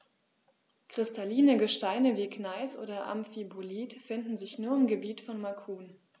Kristalline Gesteine wie Gneis oder Amphibolit finden sich nur im Gebiet von Macun.